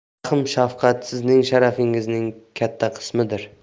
rahm shafqat sizning sharafingizning katta qismidir